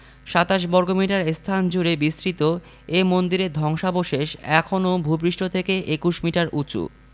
২৭ বর্গমিটার স্থান জুড়ে বিস্তৃত এ মন্দিরের ধ্বংসাবশেষ এখনও ভূ পৃষ্ঠ থেকে ২১ মিটার উঁচু